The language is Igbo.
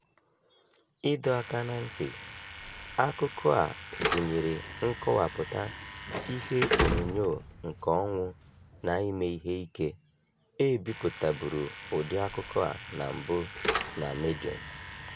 Ịdọ aka na ntị: akụkọ a gụnyere nkọwapụta ihe onyoonyo nke ọnwụ na ime ihe ike. E bipụtaburu ụdị akụkọ a na mbụ na Medium.